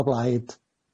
O blaid.